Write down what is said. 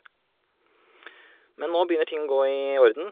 Men nå begynner ting å gå i orden.